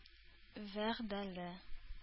Вәгъдәле